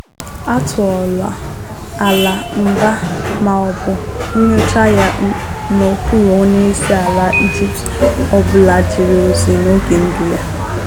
A tụọla Alaa nga ma ọ bụ nyochaa ya n'okpuru onye isi ala Egypt ọ bụla jere ozi n'oge ndụ ya.